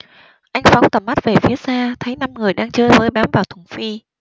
anh phóng tầm mắt về phía xa thấy năm người đang chới với bám vào thùng phuy